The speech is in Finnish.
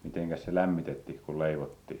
mitenkäs se lämmitettiin kun leivottiin